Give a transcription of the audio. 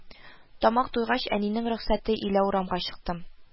Тамак туйгач, әнинең рөхсәте илә урамга чыктым